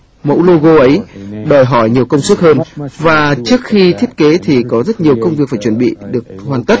mẫu lô gô ấy đòi hỏi nhiều công sức hơn và trước khi thiết kế thì có rất nhiều công việc phải chuẩn bị được hoàn tất